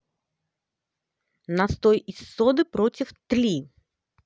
настой из соды против тли